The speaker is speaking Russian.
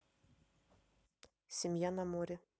семья на море